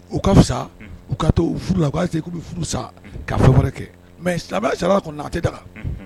U ka u ka to furuse k'u bɛ furu sa ka fɛn wɛrɛ kɛ mɛ silamɛya sara kɔnɔ a tɛ ta